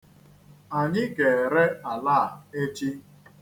Anyị ga-ere ala a echi.